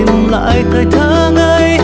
lại thời